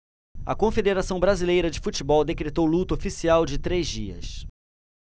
a confederação brasileira de futebol decretou luto oficial de três dias